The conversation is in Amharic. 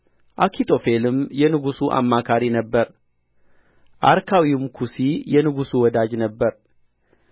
አኪጦፌልም የንጉሡ አማካሪ ነበረ አርካዊውም ኩሲ የንጉሡ ወዳጅ ነበረ